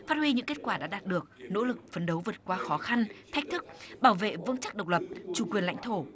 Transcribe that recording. phát huy những kết quả đã đạt được nỗ lực phấn đấu vượt qua khó khăn thách thức bảo vệ vững chắc độc lập chủ quyền lãnh thổ